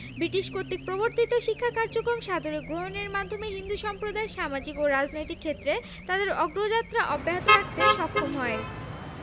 British কর্তৃক প্রবর্তিত শিক্ষা কার্যক্রম সাদরে গ্রহণের মাধ্যমে হিন্দু সম্প্রদায় সামাজিক ও রাজনৈতিক ক্ষেত্রে তাদের অগ্রযাত্রা অব্যাহত রাখতে সক্ষম হয়